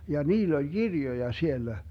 ja niillä oli kirjoja siellä